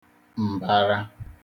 mbàrà